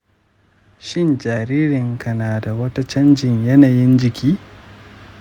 shin jaririnka na da wata canjin yanayin jiki?